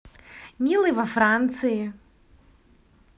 милый во франции